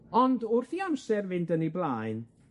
Ond wrth i amser fynd yn 'i blaen,